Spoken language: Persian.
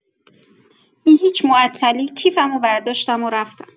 بی‌هیچ معطلی کیفم رو برداشتم و رفتم.